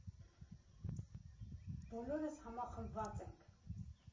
Բոլորս համախմբված ենք։